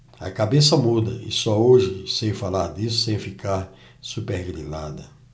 a cabeça muda e só hoje sei falar disso sem ficar supergrilada